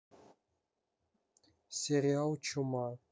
сериал чума